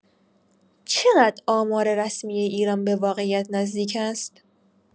چقدر آمار رسمی ایران به واقعیت نزدیک است؟